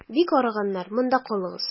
Бик арыганнар, монда калыгыз.